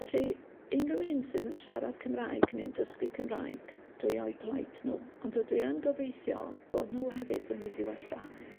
Felly, unryw un sydd yn siarad Cymraeg neu'n dysgu Cymraeg, dwi o'u plaid nw, ond dy- dwi yn gobeithio bod nw hefyd yn mynd i wella.